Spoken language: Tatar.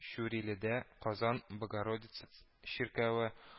Чүриледә Казан Богородица чиркәве